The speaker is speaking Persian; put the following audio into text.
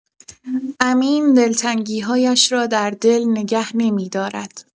امین دلتنگی‌هایش را در دل نگه نمی‌دارد.